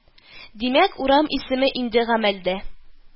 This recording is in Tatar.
Димәк, урам исеме инде гамәлдә